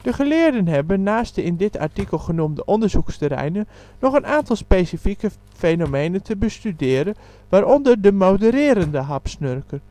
geleerden hebben, naast de in dit artikel genoemde onderzoeksterreinen, nog een aantal specifieke fenomenen te bestuderen, waaronder de modererende hapsnurker